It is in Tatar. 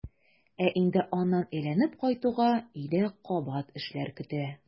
Ә инде аннан әйләнеп кайтуга өйдә кабат эшләр көтә.